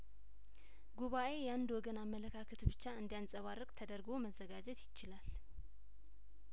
ጉባኤ ያንድ ወገን አመለካከት ብቻ እንዲያንጸባርቅ ተደርጐ መዘጋጀት ይችላል